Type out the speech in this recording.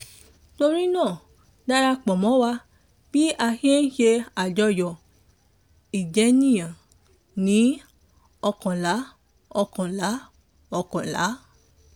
Torí náà darapọ̀ mọ́ wa bí a ṣe ń ṣe àjọyọ̀ ìjénìyàn ní 11/11/11.